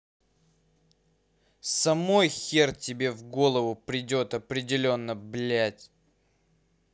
самой хер тебе в голову придет определенно блядь